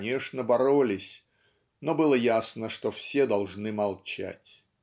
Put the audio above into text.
конечно, боролись, но было ясно, что все должны молчать".